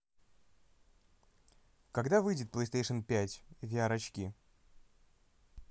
когда выйдет playstation пять vr очки